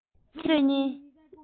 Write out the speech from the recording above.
ད བཟོད ཁྱོད ཉིད